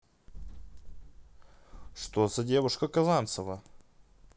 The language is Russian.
что за девушка казанцева